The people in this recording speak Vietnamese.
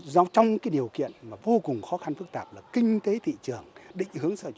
dòng trong điều kiện mà vô cùng khó khăn phức tạp là kinh tế thị trường định hướng xã